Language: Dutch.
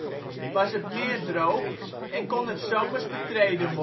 was het meer droog en kon het ' s zomers betreden worden